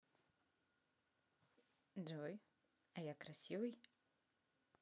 джой а я красивый